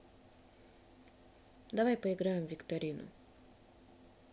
давай поиграем в викторину